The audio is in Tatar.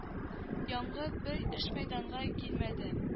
Яңгы бер эш мәйданга килмәде